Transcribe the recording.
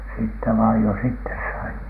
niin sitten sitten vain jos itse sai